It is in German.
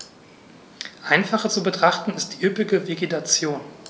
Einfacher zu betrachten ist die üppige Vegetation.